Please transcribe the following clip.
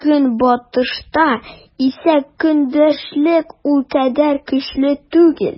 Көнбатышта исә көндәшлек ул кадәр көчле түгел.